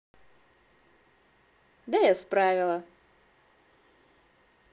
да я справила